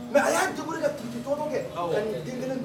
Mɛ a y'a jɔn de tun cogo kɛ ka den kelen